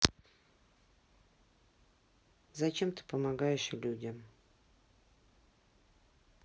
зачем ты помогаешь людям